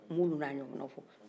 n m'ulu na ɲɔgɔnw na fɔ